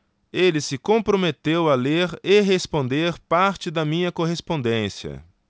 ele se comprometeu a ler e responder parte da minha correspondência